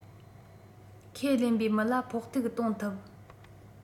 ཁས ལེན པའི མི ལ ཕོག ཐུག གཏོང ཐུབ